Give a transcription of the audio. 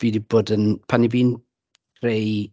Fi 'di bod yn... pan 'y fi'n creu...